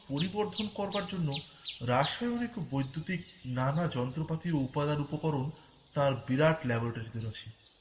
পরিবর্ধন করবার জন্য রাসায়নিক ও বৈদ্যুতিক নানা যন্ত্রপাতি ও উপাদান ও উপকরণ তার বিরাট ল্যাবরেটরীতে আছে